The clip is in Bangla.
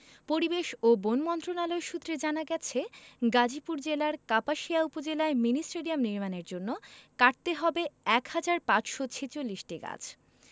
পরিবেশ ও বন মন্ত্রণালয় সূত্রে জানা গেছে গাজীপুর জেলার কাপাসিয়া উপজেলায় মিনি স্টেডিয়াম নির্মাণের জন্য কাটতে হবে এক হাজার ৫৪৬টি গাছ